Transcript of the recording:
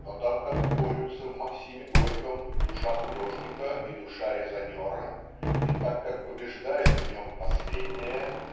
Но так как борются в Максиме Горьком душа художника и душа резонера и так как побеждает в нем последняя